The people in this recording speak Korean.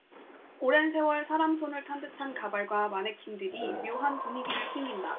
오랜 세월 사람 손을 탄 듯한 가발과 마네킹들이 묘한 분위기를 풍긴다